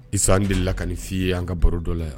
Isa an deli la ka' ye an ka baro dɔ la yan